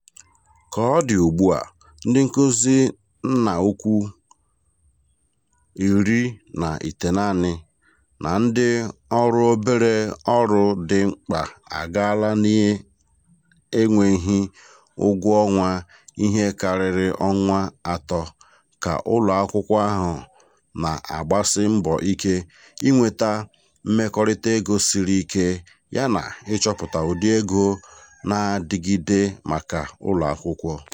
Ka ọ dị ugbu a, ndị nkuzi nna ukwu 19 na ndị ọrụ obere ọrụ dị mkpa agaala n'enweghị ụgwọ ọnwa ihe karịrị ọnwa atọ ka ụlọ akwụkwọ ahụ na-agbasi mbọ ike inweta mmekorita ego siri ike yana ịchọpụta ụdị ego na-adigide maka ụlọakwụkwọ.